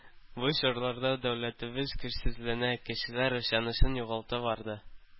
Бу чорларда дәүләтебез көчсезләнә, кешеләр ышанычын югалта барды.